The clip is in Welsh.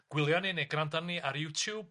gwylio ni neu gwrando arnan ni ar YouTube.